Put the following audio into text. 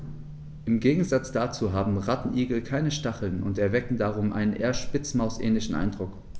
Im Gegensatz dazu haben Rattenigel keine Stacheln und erwecken darum einen eher Spitzmaus-ähnlichen Eindruck.